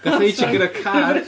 Gath o'i hitio gynna car .